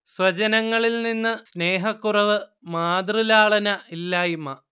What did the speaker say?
സ്വജനങ്ങളിൽ നിന്നു സ്നേഹക്കുറവ്, മാതൃലാളന ഇല്ലായ്മ